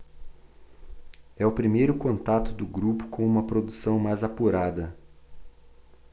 é o primeiro contato do grupo com uma produção mais apurada